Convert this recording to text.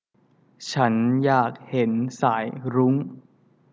ฉันอยากเห็นสายรุ้ง